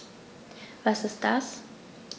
Was ist das?